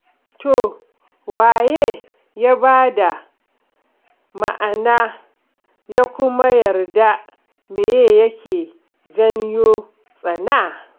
To waye ya ba da ma'ana ya kuma yarda meye yake janyo tsana?